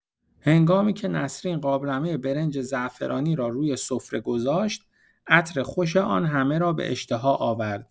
هنگامی‌که نسرین قابلمه برنج زعفرانی را روی سفره گذاشت، عطر خوش آن همه را به اشتها آورد.